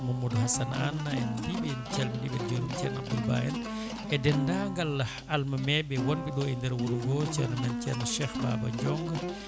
Mamadou Hassane Anne en mbiɓe en calminiɓe ceerno Abdoul Ba en e dendagal almameɓe wonɓe ɗo e nder wuuro ngo ceerno men ceerno Cheikh Baba Diongue